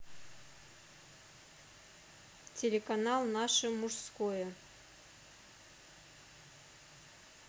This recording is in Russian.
телеканал наше мужское